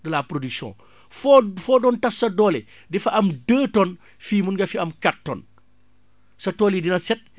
de la production foo foo doon tas sa doole di fa am deux tonnes fii mën nga fi am quatre tonnes sa tool yi dina set